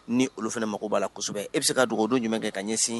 Ni olu fana mako b'asɛbɛ e bɛ se ka dugawudon jumɛn kɛ ka ɲɛsin